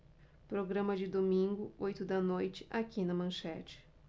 programa de domingo oito da noite aqui na manchete